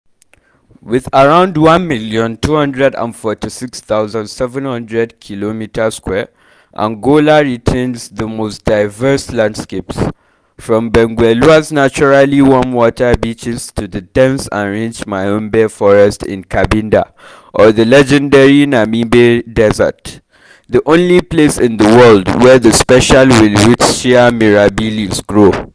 With around 1,246,700 km2, Angola retains the most diverse landscapes, from Benguela‘s naturally warm water beaches to the dense and rich Maiombe forest in Cabinda or the legendary Namibe desert, the only place in the world where the special welwitschia mirabilis grows.